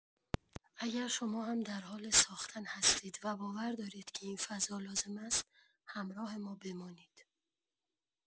اگر شما هم در حال ساختن هستید و باور دارید که این فضا لازم است، همراه ما بمانید.